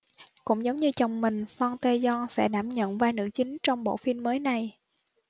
cũng giống như chồng mình son tae young sẽ đảm nhận vai nữ chính trong bộ phim mới này